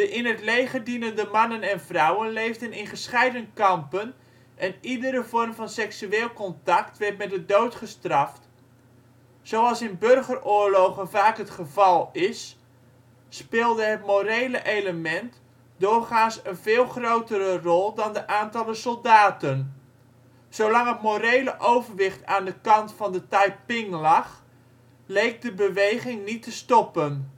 in het leger dienende mannen en vrouwen leefden in gescheiden kampen en iedere vorm van seksueel contact werd met de dood gestraft. Zoals in burgeroorlogen vaak het geval is, speelde het morele element doorgaans een veel grotere rol dan de aantallen soldaten. Zolang het morele overwicht aan de kant van de Taiping lag, leek de beweging niet te stoppen